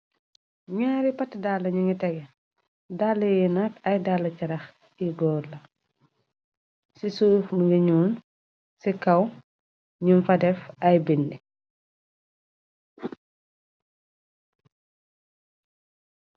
Nyaari pat daala ñu nga tege daleyinak ay dalla carax i góor la. Ci suuf nu giñoon ci kaw ñu fa def ay bindi.